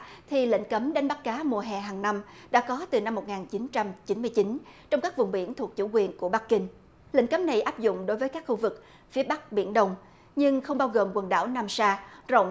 thì lệnh cấm đánh bắt cá mùa hè hàng năm đã có từ năm một ngàn chín trăm chín mươi chín trong các vùng biển thuộc chủ quyền của bắc kinh lệnh cấm này áp dụng đối với các khu vực phía bắc biển đông nhưng không bao gồm quần đảo nam sa rộng